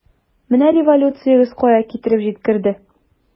Менә революциягез кая китереп җиткерде!